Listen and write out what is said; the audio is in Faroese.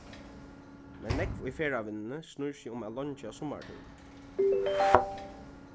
men nógv í ferðavinnuni snýr seg um at leingja summartíðina